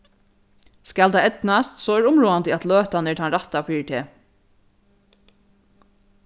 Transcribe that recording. skal tað eydnast so er umráðandi at løtan er tann rætta fyri teg